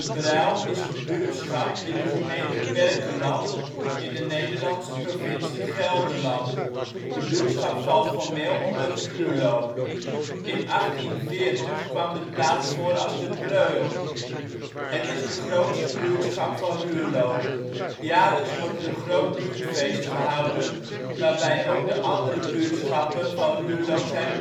is een buurtschap in de gemeente Berkelland, in de Nederlandse provincie Gelderland. De buurtschap valt formeel onder Ruurlo. In 1840 kwam de plaats voor als De Breuil. Het is de grootste buurtschap van Ruurlo. Jaarlijks wordt er een groot buurtfeest gehouden waarbij ook de andere buurtschappen van Ruurlo zijn